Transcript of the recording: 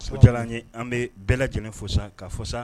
So diyara ye an bɛ bɛɛ lajɛlen fosa ka fɔsan